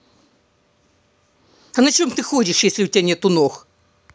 а на чем ты ходишь если у тебя нету ног